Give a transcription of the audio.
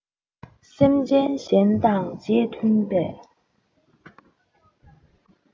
སེམས ཅན གཞན དང རྗེས མཐུན པའི